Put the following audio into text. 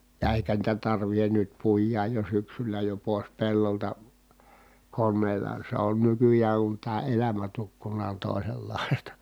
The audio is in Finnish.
ja eikä niitä tarvitse nyt puida jo syksyllä jo pois pellolta koneella se on nykyään kun tämä elämä tukkunaan on toisenlaista